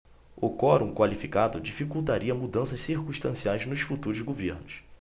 o quorum qualificado dificultaria mudanças circunstanciais nos futuros governos